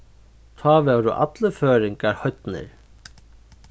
tá vóru allir føroyingar heidnir